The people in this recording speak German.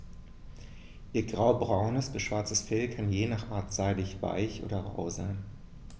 Ihr graubraunes bis schwarzes Fell kann je nach Art seidig-weich oder rau sein.